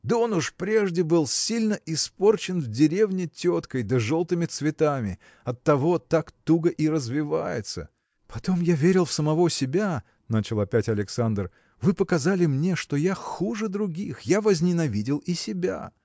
– да он уж прежде был сильно испорчен в деревне теткой да желтыми цветами оттого так туго и развивается. – Потом я верил в самого себя – начал опять Александр – вы показали мне что я хуже других – я возненавидел и себя.